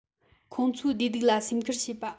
ཁོང ཚོའི བདེ སྡུག ལ སེམས འཁུར བྱེད པ